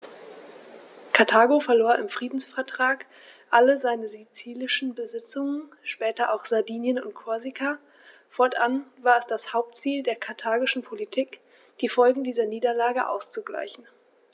Karthago verlor im Friedensvertrag alle seine sizilischen Besitzungen (später auch Sardinien und Korsika); fortan war es das Hauptziel der karthagischen Politik, die Folgen dieser Niederlage auszugleichen.